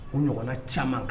U ɲɔgɔnna caman kan